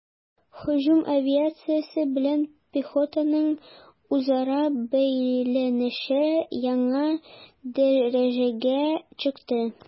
Һөҗүм авиациясе белән пехотаның үзара бәйләнеше яңа дәрәҗәгә чыкты.